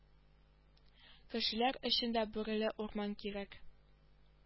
Кешеләр өчен дә бүреле урман кирәк